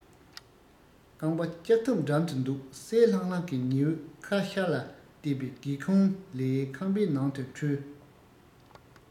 རྐང པ ལྕགས ཐབ འགྲམ དུ འདུག གསལ ལྷང ལྷང གི ཉི འོད ཁ ཤར ལ གཏད པའི སྒེའུ ཁུང ལས ཁང པའི ནང དུ འཕྲོས